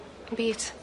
Dim byd.